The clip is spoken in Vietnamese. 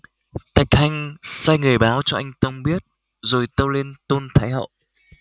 thạch hanh sai người báo cho anh tông biết rồi tâu lên tôn thái hậu